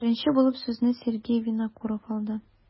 Беренче булып сүзне Сергей Винокуров алды.